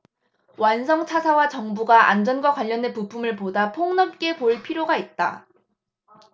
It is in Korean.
완성차사와 정부가 안전과 관련된 부품을 보다 폭 넓게 볼 필요가 있다